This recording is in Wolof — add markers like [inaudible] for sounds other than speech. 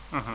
[hesitation] [hesitation]